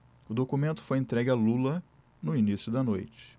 o documento foi entregue a lula no início da noite